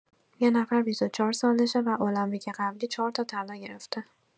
یک نفر ۲۴ سالشه و المپیک قبلی ۴ تا طلا گرفته.